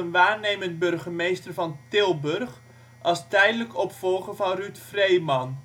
waarnemend burgemeester van Tilburg, als tijdelijk opvolger van Ruud Vreeman